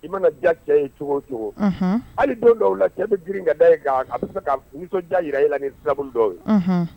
I mana diya cɛ ye cogo o cogo hali don dɔw la cɛ bɛ grin ka da ye kan a bɛ kasɔndiya jira i la nibu dɔw ye